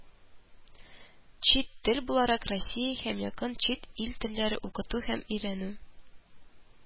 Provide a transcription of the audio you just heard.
“чит тел буларак россия һәм якын чит ил телләре: укыту һәм өйрәнү”,